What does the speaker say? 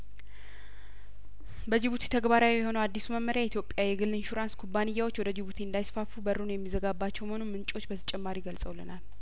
በጅቡቲ ተግባራዊ የሆነው አዲሱ መመሪያ የኢትዮጵያ የግል ኢንሹራንስ ኩባንያዎች ወደ ጅቡቲ እንዳይስፋፋ በሩን የሚዘጋባቸው መሆኑን ምንጮቹ በተጨማሪ ገልጸውልናል